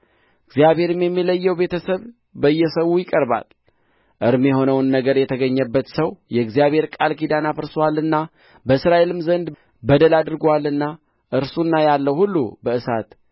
እግዚአብሔርም የሚለየው ቤተ ሰብ በየሰዉ ይቀርባል እርም የሆነውም ነገር የተገኘበት ሰው የእግዚአብሔርን ቃል ኪዳን አፍርሶአልና በእስራኤልም ዘንድ በደል አድርጎአልና እርሱና ያለው ሁሉ በእሳት